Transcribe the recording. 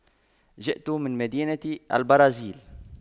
جئت من مدينة البرازيل